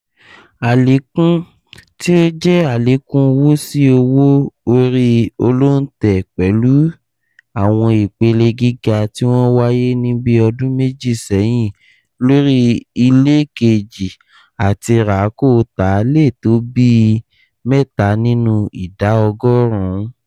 Àlékún - tí ó jẹ́ àlékún owó sí owó orí olóǹtẹ̀, pẹ̀lú àwọn ìpele gíga tí wọ́n wáyé ní bí ọdún méjì ṣẹ́hìn lórí ilé kejì àti rà-kóo- tà - lẹ̀ tó bíi mẹ́ta nínú ìdá ọgọ́rùn ún.